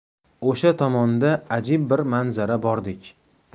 o'sha tomonda ajib bir manzara bordek